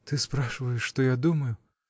— Ты спрашиваешь, что я думаю?